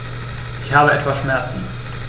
Ich habe etwas Schmerzen.